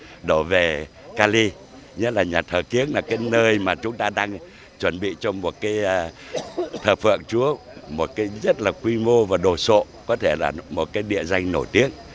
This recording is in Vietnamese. đổ về ca li nhất là nhà thờ kiến là cái nơi mà chúng ta đang chuẩn bị cho một cái thờ phượng chúa một cái rất là quy mô và đồ sộ có thể là một cái địa danh nổi tiếng